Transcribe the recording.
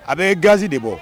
A bɛ gansi de bɔ